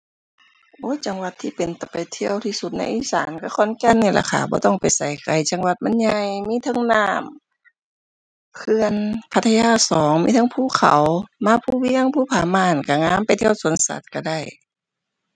อู้ย จังหวัดที่เป็นตาไปเที่ยวที่สุดในอีสานก็ขอนแก่นนี้แหละค่ะ บ่ต้องไปไสไกลจังหวัดมันใหญ่ มีเทิงน้ำ เขื่อนพัทยาสอง มีทั้งภูเขา มาภูเวียง ภูผาม่านก็งาม ไปเที่ยวสวนสัตว์ก็ได้